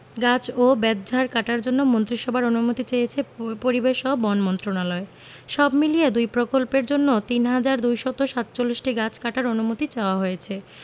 গাছ ও বেতঝাড় কাটার জন্য মন্ত্রিসভার অনুমতি চেয়েছে পরিবেশ ও বন মন্ত্রণালয় সবমিলিয়ে দুই প্রকল্পের জন্য ৩হাজার ২৪৭টি গাছ কাটার অনুমতি চাওয়া হয়েছে